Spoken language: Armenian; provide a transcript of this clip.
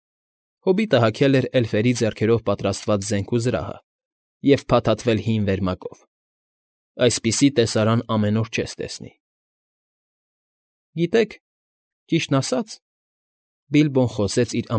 Հոբիտը հագել էր էլֆերի պատրաստած զենք ու զրահը և փաթաթվել հին վերմակով. այսպիսի տեսարան ամեն օր չես տեսնի։ ֊ Գիտեք, ճիշտն ասած,֊ Բիլբոն խոսեց իր։